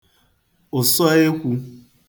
ụ̀sọekwū